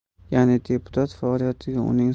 ya'ni deputat faoliyatiga uning